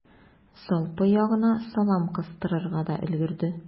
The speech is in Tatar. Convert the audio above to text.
Салпы ягына салам кыстырырга да өлгерде.